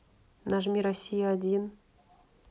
нажми россия один